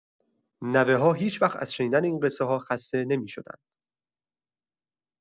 نوه‌ها هیچ‌وقت از شنیدن این قصه‌ها خسته نمی‌شدند.